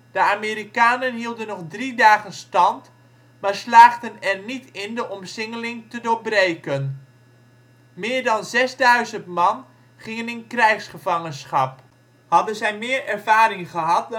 De Amerikanen hielden nog drie dagen stand, maar slaagden er niet in de omsingeling te doorbreken. Meer dan zesduizend man gingen in krijgsgevangenschap. Hadden zij meer ervaring gehad